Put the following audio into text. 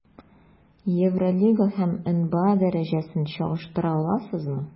Евролига һәм НБА дәрәҗәсен чагыштыра аласызмы?